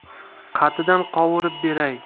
qatidan qovurib beray